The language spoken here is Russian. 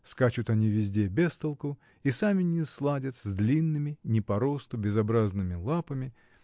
Скачут они везде без толку и сами не сладят с длинными, не по росту, безобразными лапами